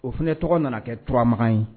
O fanaunɛ tɔgɔ nana kɛurama ye